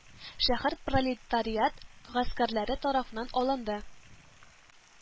Шәһәр пролетариат гаскәрләре тарафыннан алынды